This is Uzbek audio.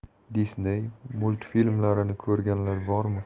disney multfilmlarini ko'rganlar bormi